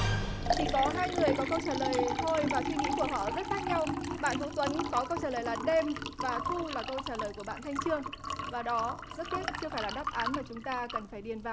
chỉ có hai người có câu trả lời thôi và suy nghĩ của họ rất khác nhau bạn vũ tuấn có câu trả lời là đêm và thu là câu trả lời của bạn thanh chương và đó rất tiếc chưa phải là đáp án mà chúng ta cần phải điền vào